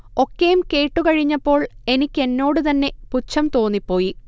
ഒക്കേം കേട്ടുകഴിഞ്ഞപ്പോൾ എനിക്കെന്നോടു തന്നെ പുച്ഛം തോന്നിപ്പോയി